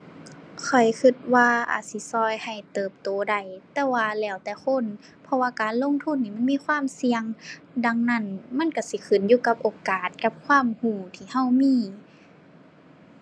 ข้อยคิดว่าอาจสิคิดให้เติบโตได้ แต่ว่าแล้วแต่คน เพราะว่าการลงทุนนี่มันมีความเสี่ยง ดังนั้นมันคิดสิขึ้นอยู่กับโอกาสกับความคิดที่คิดมี